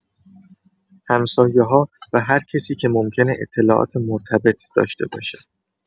همسایه‌ها و هر کسی که ممکنه اطلاعات مرتبط داشته باشه